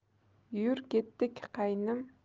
yur ketdik qayinim